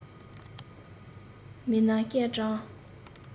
མིན ན སྐར གྲངས